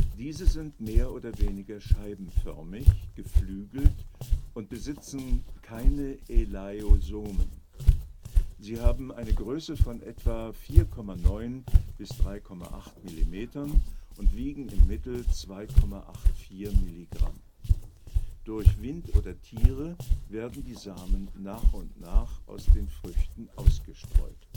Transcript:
Diese sind mehr oder weniger scheibenförmig, geflügelt und besitzen keine Elaiosome. Sie haben eine Größe von etwa 4,9 × 3,8 Millimetern und wiegen im Mittel 2,84 Milligramm. Durch Wind oder Tiere werden die Samen nach und nach aus den Früchten ausgestreut